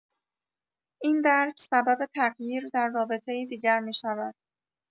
این درک سبب تغییر در رابطه‌ای دیگر می‌شود.